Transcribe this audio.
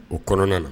U kɔnɔna na